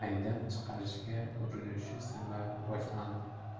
uyidan haydab chiqarishga urinishi sababli boshlandi